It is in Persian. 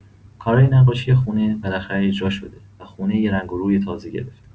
کارای نقاشی خونه بالاخره اجراشده و خونه یه رنگ و روی تازه گرفته.